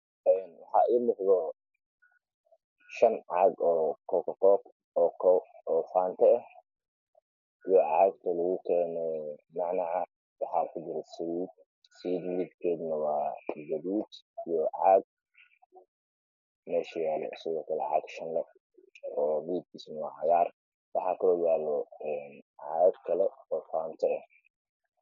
Waxaa ii muuqda shan caag oo Coca-Cola oo faante ah iyo caag oo lagu keeno nacnaca waxaa ku jira saliid saliida midabkeedana waa gaduud iyo caag meesha yaala sidoo kale caag shanle ah oo midabkiisana waa cagaar waxaa koo yaala caagag kale oo faanto leh